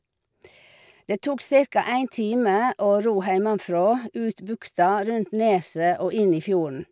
Det tok cirka en time å ro heimefra, ut bukta, rundt neset og inn i fjorden.